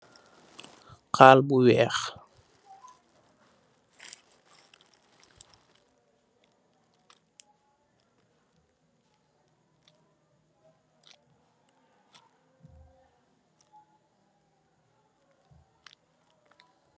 Khall bou weck la